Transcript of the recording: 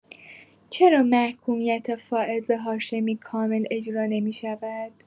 چرا محکومیت فائزه هاشمی کامل اجرا نمی‌شود؟